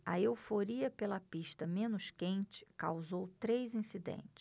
a euforia pela pista menos quente causou três incidentes